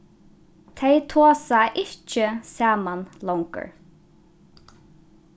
tey tosa ikki saman longur